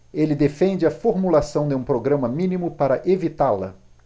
ele defende a formulação de um programa mínimo para evitá-la